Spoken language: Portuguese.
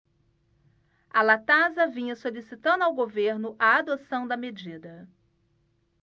a latasa vinha solicitando ao governo a adoção da medida